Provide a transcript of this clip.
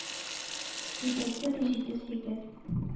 — дип әйтте, ди, җитез егет.